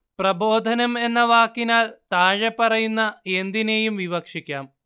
പ്രബോധനം എന്ന വാക്കിനാൽ താഴെപ്പറയുന്ന എന്തിനേയും വിവക്ഷിക്കാം